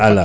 ala